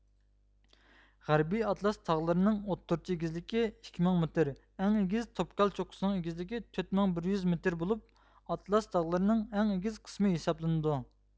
غەربىي ئاتلاس تاغلىرىنىڭ ئوتتۇرىچە ئېگىزلىكى ئىككى مىڭ مېتر ئەڭ ئېگىز توبكال چوققىسىنىڭ ئېگىزلىكى تۆت مىڭ بىر يۈز مېتر بولۇپ ئاتلاس تاغلىرىنىڭ ئەڭ ئېگىز قىسمى ھېسابلىنىدۇ